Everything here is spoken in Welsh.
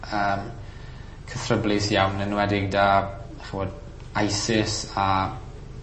yym cythryblus iawn enwedig 'da ch'mod ISIS a